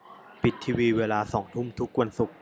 ปิดทีวีเวลาสองทุ่มทุกวันศุกร์